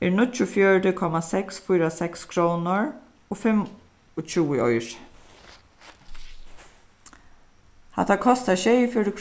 er níggjuogfjøruti komma seks fýra seks krónur og fimmogtjúgu oyru hatta kostar sjeyogfjøruti